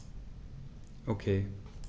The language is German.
Okay.